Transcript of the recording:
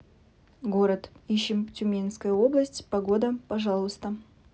город ишим тюменская область погода пожалуйста